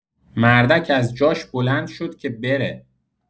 مردک از جاش بلند شد که بره